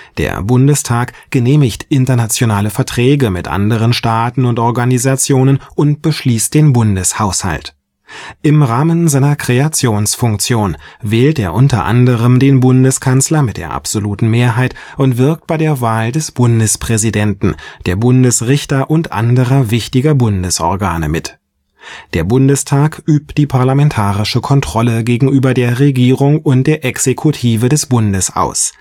Der Bundestag genehmigt internationale Verträge mit anderen Staaten und Organisationen und beschließt den Bundeshaushalt. Im Rahmen seiner Kreationsfunktion wählt er unter anderem den Bundeskanzler (absolute Mehrheit) und wirkt bei der Wahl des Bundespräsidenten, der Bundesrichter und anderer wichtiger Bundesorgane mit. Der Bundestag übt die parlamentarische Kontrolle gegenüber der Regierung und der Exekutive des Bundes aus